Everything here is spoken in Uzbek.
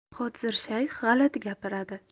hodzir shayx g'alati gapiradi